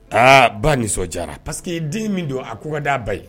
Aa ba nisɔndi pa parceseke que den min don a ko ka da'a ba ye